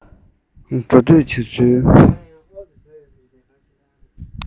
འགྲོ སྡོད བྱེད ཚུལ